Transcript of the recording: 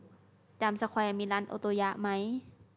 จามสแควร์มีร้านโอโตยะไหม